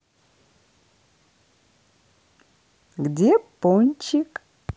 где пончик